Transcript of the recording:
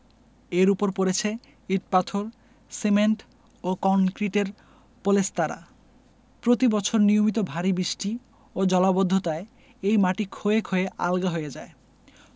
এর ওপর পড়েছে ইট পাথর সিমেন্ট ও কংক্রিটের পলেস্তারা প্রতিবছর নিয়মিত ভারি বৃষ্টি ও জলাবদ্ধতায় এই মাটি ক্ষয়ে ক্ষয়ে আলগা হয়ে যায়